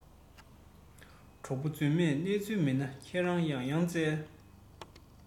གྲོགས པོ རྫུན མས གནས ཚུལ མེད ན ཁྱེད རང ཡང ཡང འཚལ